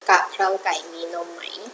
กะเพราไก่มีนมไหม